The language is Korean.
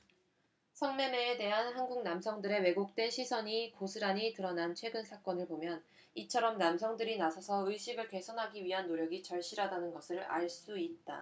성 매매에 대한 한국 남성들의 왜곡된 시선이 고스란히 드러난 최근 사건을 보면 이처럼 남성들이 나서서 의식을 개선하기 위한 노력이 절실하다는 것을 알 수 있다